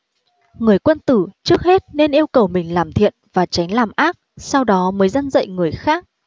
người quân tử trước hết nên yêu cầu mình làm thiện và tránh làm ác sau đó mới răn dạy người khác